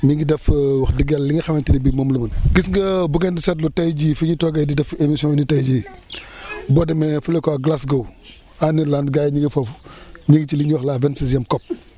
mi ngi def wax dëgg yàlla li nga xamante ni bi moom la bëgg gis nga bu ngeen seetloo tey jii fu ñu toogee di def émissions yi nii tey jii boo demee fële quoi Glasgow en Irlande gaa yi ñu nga foofu ñu ngi si li ñuy wax la vingt sixième COP